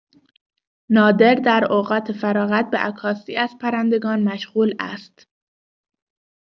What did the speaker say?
نادر در اوقات فراغت به عکاسی از پرندگان مشغول است.